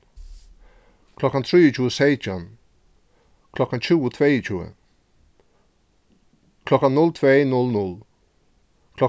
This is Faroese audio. klokkan trýogtjúgu seytjan klokkan tjúgu tveyogtjúgu klokkan null tvey null null